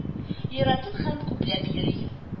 Яратып һәм күпләп йөри